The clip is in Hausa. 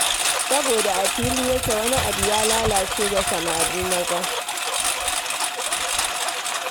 Saboda a fili yake wani abu ya lalace ga samari maza.'